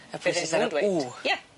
y w. Ie.